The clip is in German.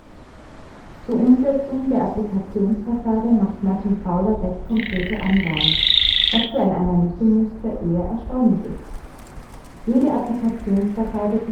Zur Umsetzung der Applikations-Fassade macht Martin Fowler recht konkrete Angaben (was für ein Analysemuster eher erstaunlich ist). Jede Applikations-Fassade